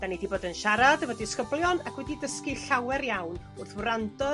'Da ni 'di bod yn siarad efo disgyblion ac wedi dysgu llawer iawn wrth wrando